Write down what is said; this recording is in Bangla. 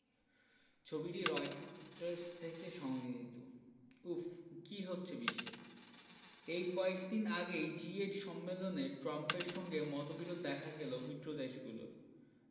ছবিটি রয়টার্স থেকে সংগৃহীত উফ্ কী হচ্ছে বিশ্বে এই কয়েক দিন আগেই জি এইট সম্মেলনে ট্রাম্পের সঙ্গে মতবিরোধ দেখা গেল মিত্রদেশগুলোর